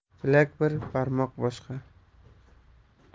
bilak bir barmoq boshqa